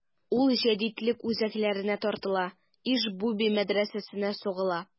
Ул җәдитлек үзәкләренә тартыла: Иж-буби мәдрәсәсенә сугыла.